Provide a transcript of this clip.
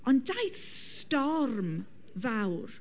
Ond daeth storm fawr